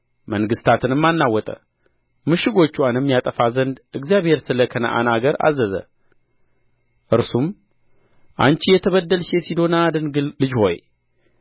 መንግሥታትንም አናወጠ ምሽጎችዋንም ያጠፉ ዘንድ እግዚአብሔር ስለ ከነዓን አገር አዘዘ እርሱም አንቺ የተበደልሽ የሲዶና ድንግል ልጅ ሆይ